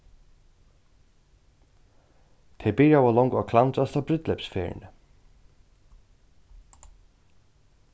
tey byrjaðu longu at klandrast á brúdleypsferðini